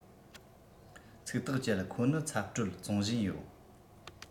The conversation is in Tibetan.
ཚིག ཐག བཅད ཁོ ནི ཚབ སྤྲོད བཙོང བཞིན ཡོད